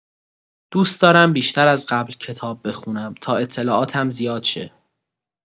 دوست دارم بیشتر از قبل کتاب بخونم تا اطلاعاتم زیاد شه.